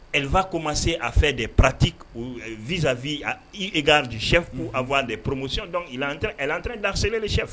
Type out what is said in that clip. Elle va commencer à faire des pratiques vie à vie eu égard du chef, ou avoir des promotions . Donc elle entrain d'harceler le chef.